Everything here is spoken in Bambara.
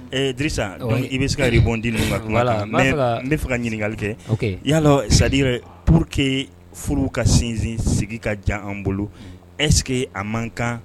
Ee disa don i bɛ se ka yɛrɛ bɔ di ninnu ma kuma la n ne bɛ fɛ ka ɲininkakali kɛ y yaalɔ sadi yɛrɛ pur que furu ka sinsin sigi ka jan an bolo esseke a man kan